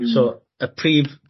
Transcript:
So y prif